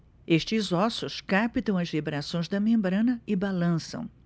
estes ossos captam as vibrações da membrana e balançam